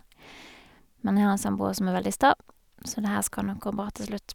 Men jeg har en samboer som er veldig sta, så det her skal nok gå bra til slutt.